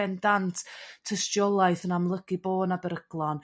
bendant tystiolaeth yn amlygu bo' 'na beryglon